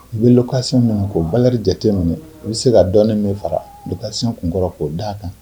I bɛ lakasi minɛ koo bakarijan jate min i bɛ se ka dɔn min fara kasiyɛn kun kɔrɔ k'o daa kan